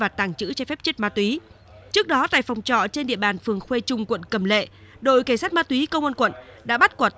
và tàng trữ trái phép chất ma túy trước đó tại phòng trọ trên địa bàn phường khuê trung quận cẩm lệ đội cảnh sát ma túy công an quận đã bắt quả